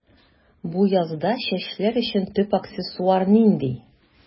Бу язда чәчләр өчен төп аксессуар нинди?